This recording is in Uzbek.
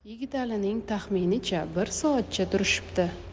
yigitalining taxminicha bir soatcha turishdi